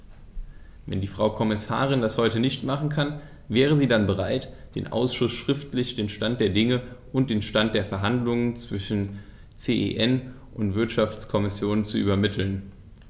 Wenn die Frau Kommissarin das heute nicht machen kann, wäre sie dann bereit, dem Ausschuss schriftlich den Stand der Dinge und den Stand der Verhandlungen zwischen CEN und Wirtschaftskommission zu übermitteln?